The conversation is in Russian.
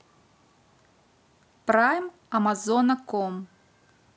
прайм амазона ком